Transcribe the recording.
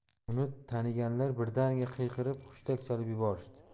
uni taniganlar birdaniga qiyqirib hushtak chalib yuborishdi